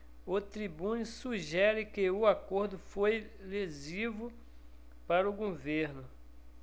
o tribune sugere que o acordo foi lesivo para o governo